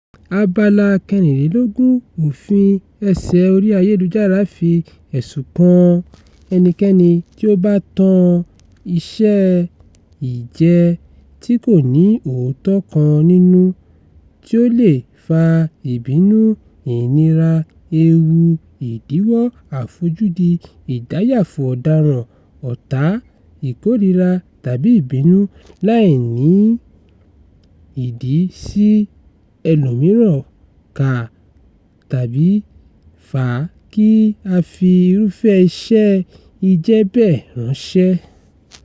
Abala 24 Òfin Ẹ̀ṣẹ̀ orí-ayélujára fi ẹ̀sùn kan "ẹnikẹ́ni tí ó bá tan iṣẹ́-ìjẹ́ tí kò ní òótọ́ kan nínú, tí ó lè fa ìbínú, ìnira, ewu, ìdíwọ́, àfojúdi, ìdáyàfò ọ̀daràn, ọ̀tá, ìkórìíra, tàbí ìbínú láì ní ìdí sí ẹlòmíràn ká tàbí fa kí a fi irúfẹ́ iṣẹ́-ìjẹ́ bẹ́ẹ̀ ránṣẹ́."